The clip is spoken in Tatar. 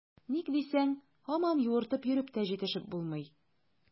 Ник дисәң, һаман юыртып йөреп тә җитешеп булмый.